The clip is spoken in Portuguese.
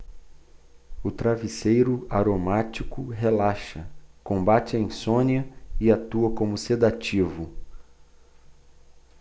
o travesseiro aromático relaxa combate a insônia e atua como sedativo